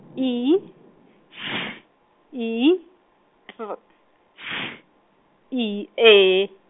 I Š I T Š I E.